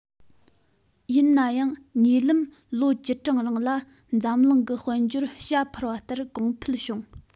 ཡིན ན ཡང ཉེ ལམ ལོ བཅུ གྲངས རིང ལ འཛམ གླིང གི དཔལ འབྱོར བྱ འཕུར བ ལྟར གོང འཕེལ བྱུང